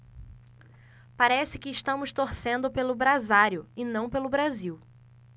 parece que estamos torcendo pelo brasário e não pelo brasil